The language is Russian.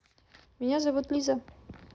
меня зовут лиза